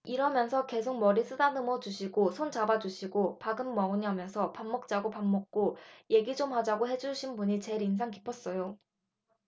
이러면서 계속 머리 쓰다듬어주시고 손 잡아주시고 밥은 먹었냐면서 밥 먹자고 밥 먹고 얘기 좀 하자고 해 주신 분이 제일 인상 깊었어요